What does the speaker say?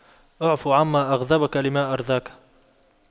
اعف عما أغضبك لما أرضاك